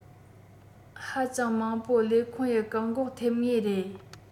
ཧ ཅང མང པོ ལས ཁུང ཡི བཀག འགོག ཐེབས ངེས རེད